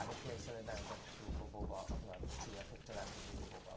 Ac yn lle symud mewn 'da grŵp o bobl, chimod, trio ffitio mewn 'da grŵp o bobl,